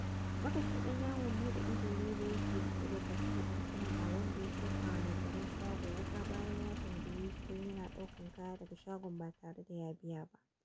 Makashin ɗan yawon buɗe ido ne da yake riƙe da fasfo ɗin Kanada, wanda ya soka wa mai tsaron shagon wuƙa bayan ya tambaye shi don yana ɗaukan kaya daga shagon ba tare da biya ba.